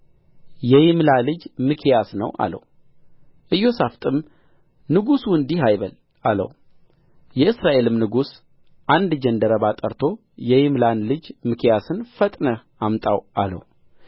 የይምላ ልጅ ሚክያስ ነው አለው ኢዮሳፍጥም ንጉሥ እንዲህ አይበል አለው የእስራኤልም ንጉሥ አንድ ጃንደረባ ጠርቶ የይምላን ልጅ ሚክያስን ፈጥነህ አምጣው አለው